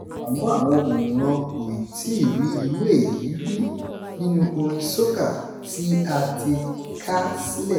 Àmọ́ àwọn òǹwòrán kò ì tíì rí irú èyí rí nínú orin soca tí a ti ká sílẹ̀.